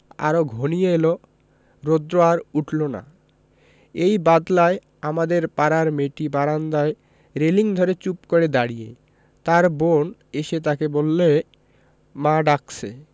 আরো ঘনিয়ে এল রোদ্র আর উঠল না এই বাদলায় আমাদের পাড়ার মেয়েটি বারান্দায় রেলিঙ ধরে চুপ করে দাঁড়িয়ে তার বোন এসে তাকে বললে মা ডাকছে